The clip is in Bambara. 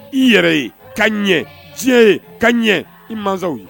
I yɛrɛ ye ka ɲɛ tiɲɛ ye ka ɲɛ i mansaw ye